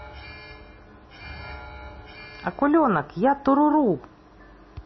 акуленок я туруру